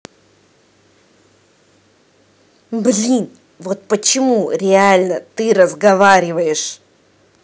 блин вот почему реально ты разговариваешь